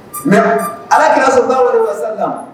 Mais b Alakira salalahu wale wasalam